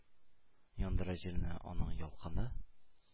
Яндыра җирне аның ялкыны».